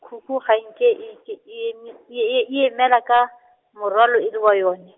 khukhu ga nke e ke-, e emi- e e emela ka, morwalo e le wa yone.